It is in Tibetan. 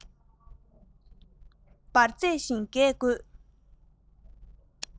འབར རྫས བཞིན འགད དགོས